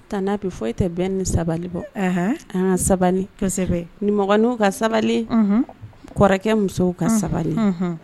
Tantie Atu, foyi tɛ bɛn ni sabali bɔ. Ɛnhɛn! An ka sabali. Kosɛbɛ! Nimɔgɔninw ka sabali. Unhun! Kɔrɔkɛ musow ka sabali. Unhun!